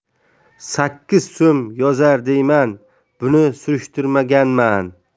sakkiz so'm yozar deyman buni surishtirmaganman